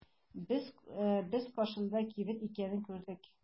Без каршыда кибет икәнен күрдек.